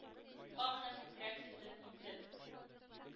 Юкка гына күкрәк сөтен имзеп,